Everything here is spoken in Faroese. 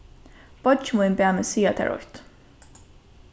beiggi mín bað meg siga tær eitt